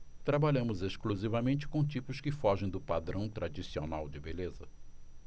trabalhamos exclusivamente com tipos que fogem do padrão tradicional de beleza